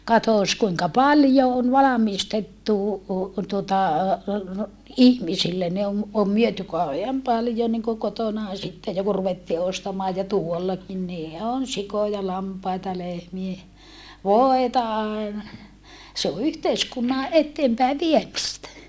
katsos kuinka paljon on valmistettu tuota ihmisille ne on on myyty kauhean paljon niin kuin kotona sitten jo kun ruvettiin ostamaan ja tuollakin niin on sikoja lampaita lehmiä voita aina ja se on yhteiskunnan eteenpäin viemistä